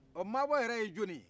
ɔ maabɔ yɛrɛ ye jɔnni ye